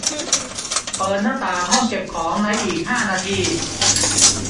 เปิดหน้าต่างห้องเก็บของในอีกห้านาที